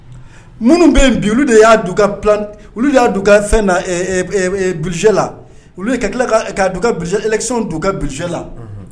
Munnu be ye bi olu de y'a d'u ka plant olu de y'a d'u ka fɛn na ɛ ɛ ɛb ɛb budget la olu ye ka kila ka ɛ k'a d'u ka budget élection d'u ka budget la unhun